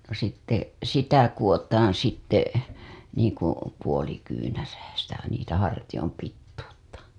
no sitten sitä kudotaan sitten niin kuin puoli kyynärää sitä niitä hartioiden pituutta